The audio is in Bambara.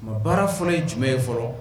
Tuma baara fɔlɔ ye jumɛn ye fɔlɔ?